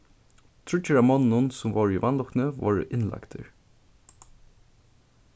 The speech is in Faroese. tríggir av monnunum sum vóru í vanlukkuni vórðu innlagdir